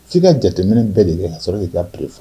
K'i ka jateminɛ bɛɛ de kɛ ka sɔrɔ i ka to fɔ